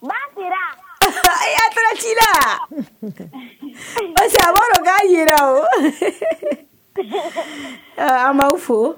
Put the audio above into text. Basira e appareil cila, est ce que a b'a dɔn k'a yera an b'aw fo